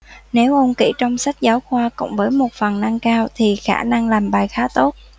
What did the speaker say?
nếu ôn kỹ trong sách giáo khoa cộng với một phần nâng cao thì khả năng làm bài khá tốt